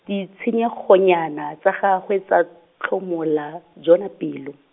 ditshenyegonyana tsa gagwe tsa, tlhomola, Jona pelo.